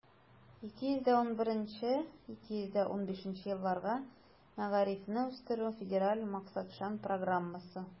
2011 - 2015 елларга мәгарифне үстерү федераль максатчан программасы.